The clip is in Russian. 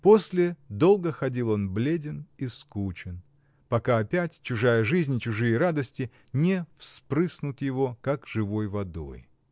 После долго ходил он бледен и скучен, пока опять чужая жизнь и чужие радости не вспрыснут его, как живой водой.